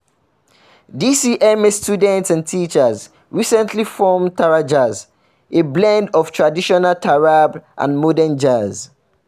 DCMA students and teachers recently formed "TaraJazz", a blend of traditional taarab and modern jazz.